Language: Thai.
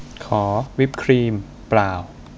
ขอวิปครีมเปล่า